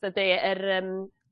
dydi yr yym